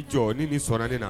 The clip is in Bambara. I jɔɔ ni sɔnna ne na